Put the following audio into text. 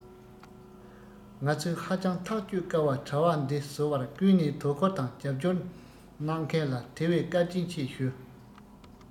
ང ཚོས ཧ ཅང ཐག གཅོད དཀའ བ དྲ བ འདི བཟོ བར ཀུན ནས དོ ཁུར དང རྒྱབ སྐྱོར གནང མཁན ལ དེ བས བཀའ དྲིན ཆེ ཞུ